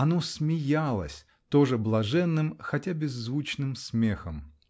оно смеялось, тоже блаженным, хотя беззвучным смехом.